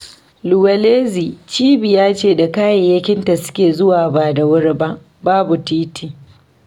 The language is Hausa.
#Mzimba Luwelezi cibiya ce da kayayyakinta suke zuwa ba da wuri ba - babu titi.